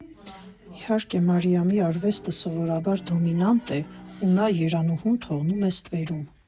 Իհարկե, Մարիամի արվեստը սովորաբար դոմինանտ է, ու նա Երանուհուն թողնում է ստվերում։